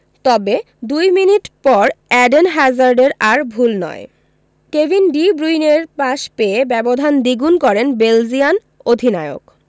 তবে দুই মিনিট পর এডেন হ্যাজার্ডের আর ভুল নয় কেভিন ডি ব্রুইনের পাস পেয়ে ব্যবধান দ্বিগুণ করেন বেলজিয়ান অধিনায়ক